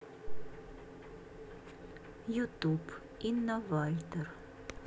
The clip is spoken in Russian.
ютуб инна вальтер